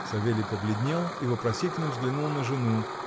Савелий побледнел и вопросительно взглянул на жену